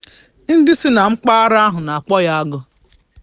Ndị si na mpaghara ahụ na-akpọ ya "agụ"